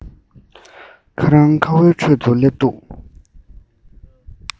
ཁ རང ཁ བའི ཁྲོད དུ སླེབས འདུག